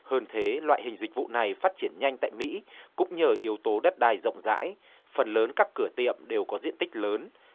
hơn thế loại hình dịch vụ này phát triển nhanh tại mỹ cũng nhờ yếu tố đất đai rộng rãi phần lớn các cửa tiệm đều có diện tích lớn